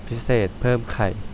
พิเศษเพิ่มไข่